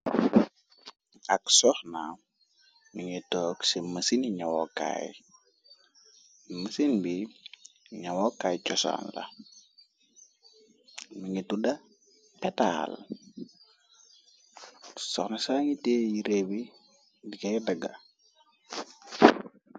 Ak soxna mi ngi toog ci masini ñyawokaay mësin bi ñyawookaay cosaan la mi ngi tudda petaal soxna sangitee yi réew bi diggay dagga.